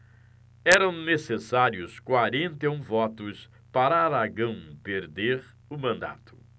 eram necessários quarenta e um votos para aragão perder o mandato